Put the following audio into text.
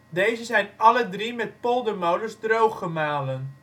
Deze zijn alle drie met poldermolens drooggemalen